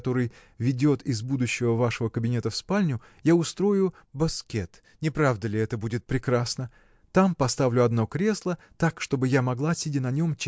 который ведет из будущего вашего кабинета в спальню я устрою боскет – не правда ли это будет прекрасно? Там поставлю одно кресло так чтобы я могла сидя на нем